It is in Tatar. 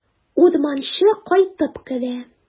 Урманчы кайтып керә.